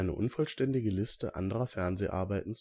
unvollständige Liste anderer Fernseharbeiten